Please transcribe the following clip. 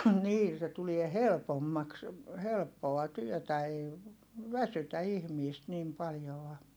niin se tulee helpommaksi helppoa työtä ei väsytä ihmistä niin paljoa